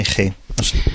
i chi, os...